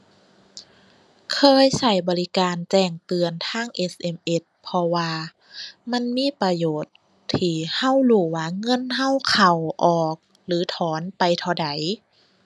เคยใช้บริการแจ้งเตือนทาง SMS เพราะว่ามันมีประโยชน์ที่ใช้รู้ว่าเงินใช้เข้า ออก หรือถอนไปเท่าใด